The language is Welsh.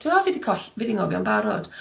Tibod, fi di coll- fi di anghofio'n barod.